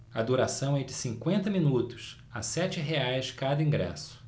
a duração é de cinquenta minutos a sete reais cada ingresso